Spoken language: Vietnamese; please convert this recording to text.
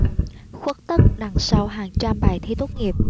khuất tất đằng sau hàng trăm bài thi tốt nghiệp